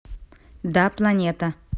да планета